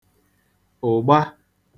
ụ̀gba